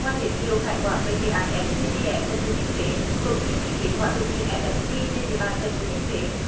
ngoài giới thiệu khái quát về dự án ép xi pi ét tỉnh thừa thiên huế cũng như những kết quả thực hiện ép ét xi trên địa bàn tỉnh thừa thiên huế